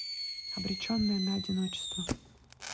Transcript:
обреченная на одиночество